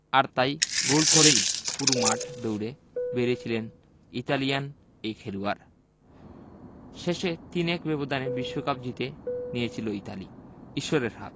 আর তাই গোল করেই পুরো মাঠ দৌড়ে বেড়িয়েছিলেন ইতালিয়ান এই খেলোয়াড় শেষে ৩ ১ ব্যবধানে বিশ্বকাপ জিতে নিয়েছিল ইতালি ঈশ্বরের হাত